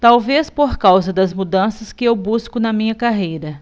talvez por causa das mudanças que eu busco na minha carreira